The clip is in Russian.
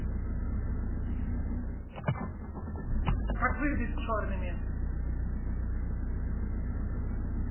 как выжить с черными